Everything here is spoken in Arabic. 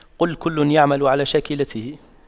قُل كُلٌّ يَعمَلُ عَلَى شَاكِلَتِهِ